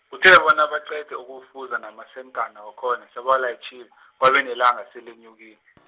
kuthe bona baqede ukuwufuza namasenkana wakhona, sebawalayitjhile , kwabe nelanga selenyukile .